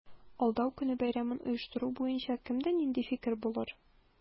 Алдау көне бәйрәмен оештыру буенча кемдә нинди фикер булыр?